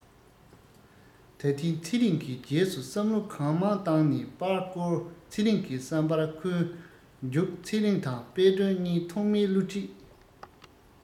ད ཐེངས ཚེ རིང གིས རྗེས སུ བསམ བློ གང མང བཏང ནས པར བསྐུར ཚེ རིང གི བསམ པར ཁོས མཇུག ཚེ རིང དང དཔལ སྒྲོན གཉིས ཐོག མའི བསླུ བྲིད